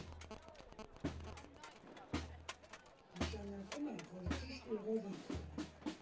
Նշանակում է, որ ճիշտ ուղով ենք գնում։